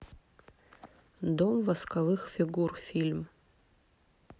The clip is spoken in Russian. дом восковых фигур фильм